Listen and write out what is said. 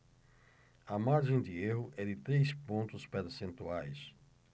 a margem de erro é de três pontos percentuais